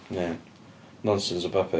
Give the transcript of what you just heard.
Ia, nonsense o bapur.